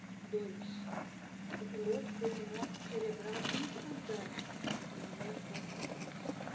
dois o piloto teve morte cerebral instantânea no momento do acidente